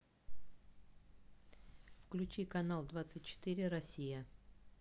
включи канал двадцать четыре россия